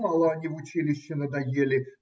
- Мало они в училище надоели!